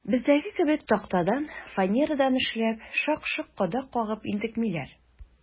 Бездәге кебек тактадан, фанерадан эшләп, шак-шок кадак кагып интекмиләр.